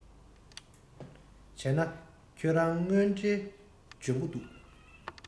བྱས ན ཁྱེད རང དངོས འབྲེལ འཇོན པོ བྱུང